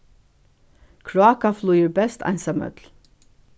kráka flýgur best einsamøll